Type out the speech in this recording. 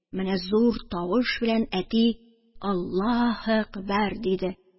Менә зур тавыш белән әти: «Аллаһе әкбәр!» – диде.